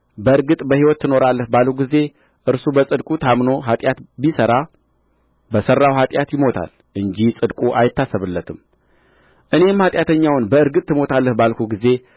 በእርግጥ በሕይወት ትኖራለህ ባልሁ ጊዜ እርሱ በጽድቁ ታምኖ ኃጢአት ቢሠራ በሠራው ኃጢአት ይሞታል እንጂ ጽድቁ አይታሰብለትም እኔም ኃጢአተኛውን በእርግጥ ትሞታለህ ባልሁ ጊዜ